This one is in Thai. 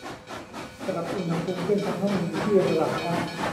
ปรับอุณหภูมิเครื่องทำน้ำอุ่นอยู่ที่ระดับกลาง